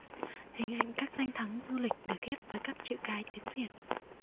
hình ảnh các danh thắng du lịch được ghép với các chữ cái tiếng việt